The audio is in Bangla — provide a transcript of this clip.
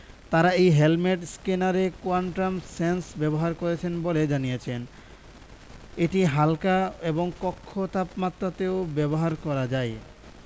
তারা এই হেলমেট স্ক্যানারে কোয়ান্টাম সেন্স ব্যবহার করেছেন বলে জানিয়েছেন এটি হাল্কা এবং কক্ষ তাপমাত্রাতেও ব্যবহার করা যায়